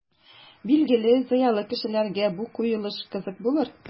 Билгеле, зыялы кешеләргә бу куелыш кызык булыр.